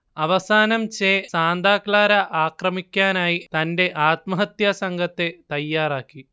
അവസാനം Che Santa Clara ആക്രമിക്കാനായി തന്റെ ആത്മഹത്യാ സംഘത്തെ തയ്യാറാക്കി